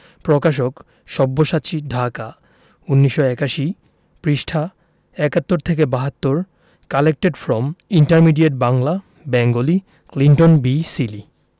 প্রকাশকঃ সব্যসাচী ঢাকা ১৯৮১ পৃষ্ঠাঃ ৭১ থেকে ৭২ collected from intermediate Bangla Bengali Clinton B Seely